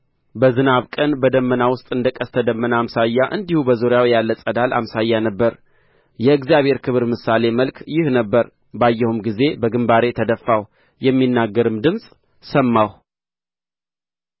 በዝናብ ቀን በደመና ውስጥ እንደ ቀስተ ደመና አምሳያ እንዲሁ በዙሪያው ያለ ፀዳል አምሳያ ነበረ የእግዚአብሔር ክብር ምሳሌ መልክ ይህ ነበረ ባየሁም ጊዜ በግምባሬ ተደፋሁ የሚናገርንም ድምፅ ሰማሁ